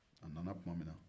a nana tuma min na